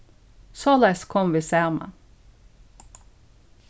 soleiðis komu vit saman